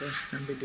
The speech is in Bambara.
San bɛɛ dogo